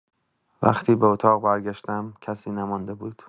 وقتی به اتاق برگشتم، کسی نمانده بود.